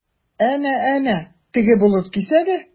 Әнә-әнә, теге болыт кисәге?